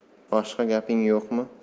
boshqa gaping yo'qmi